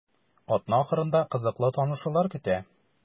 Атна ахырында кызыклы танышулар көтә.